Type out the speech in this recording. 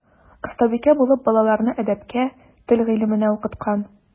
Остабикә булып балаларны әдәпкә, тел гыйлеменә укыткан.